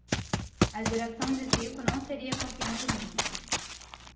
a geração de zico não seria campeã do mundo